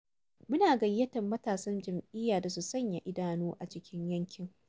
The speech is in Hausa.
Muna gayyatar matasan jam'iyyar da su sanya idanu a cikin yankin.